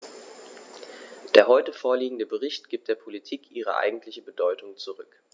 Der heute vorliegende Bericht gibt der Politik ihre eigentliche Bedeutung zurück.